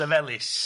Llefelys.